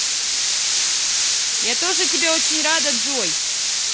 я тоже тебе очень рада джой